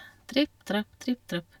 Tripp trapp, tripp trapp.